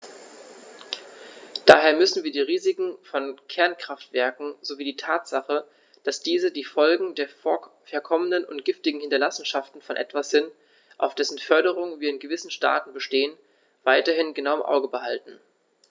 Daher müssen wir die Risiken von Kernkraftwerken sowie die Tatsache, dass diese die Folgen der verkommenen und giftigen Hinterlassenschaften von etwas sind, auf dessen Förderung wir in gewissen Staaten bestehen, weiterhin genau im Auge behalten.